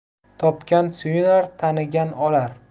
topgan suyunar tanigan olar